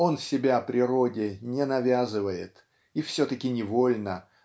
он себя природе не навязывает и все-таки невольно